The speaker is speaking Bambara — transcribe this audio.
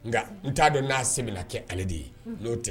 Nka n t'a don n'a se bɛna kɛ ale de ye n'o tɛ